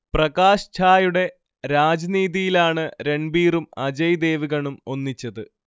പ്രകാശ് ഝായുടെ രാജ്നീതിയിലാണ് രൺബീറും അജയ് ദേവ്ഗണും ഒന്നിച്ചത്